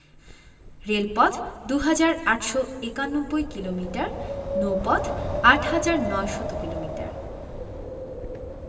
রেলপথ ২হাজার ৮৯১ কিলোমিটার নৌপথ ৮হাজার ৯০০ কিলোমিটার